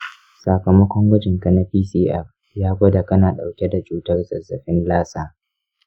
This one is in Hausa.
sakamakon gwajinka na pcr ya gwada kana dauke da cutar zazzafin lassa.